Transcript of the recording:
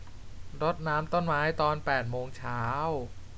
รดน้ำต้นไม้ตอนแปดโมงเช้า